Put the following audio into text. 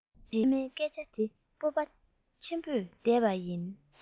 ཞེས ཨ མའི སྐད ཆ དེ སྤོབས པ ཆེན པོས བཟླས པ ཡིན